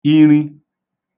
iṙi